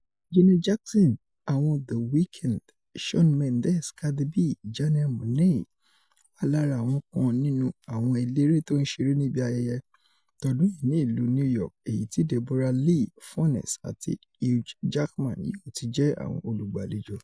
Janet Jackson, àwọn The Weeknd, Shawn Mendes, Cardi B, Janelle Monáe wà lára àwọn kan nínú àwọn eléré tó ńṣeré níbi ayẹyẹ tọdún yìí ní ìlú New York, èyití Deborah-Lee Furness àti Hugh Jackman yóò tijẹ́ àwọn olùgbàlejò.